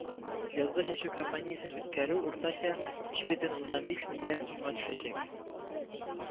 Язгы чәчү кампаниясен үткәрү уртача өч бөтен уннан биш миллиард сумга төшәчәк